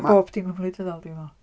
Bob dim yn gwleidyddol dwi'n meddwl.